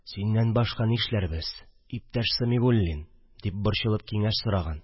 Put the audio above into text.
– синнән башка нишләрбез, иптәш сәмигуллин? – дип борчылып киңәш сораган